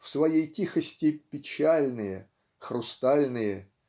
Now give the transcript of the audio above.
в своей тихости печальные хрустальные